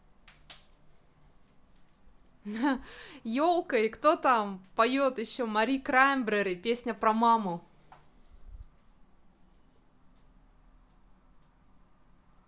елка и кто там поет еще мари краймбрери песня про маму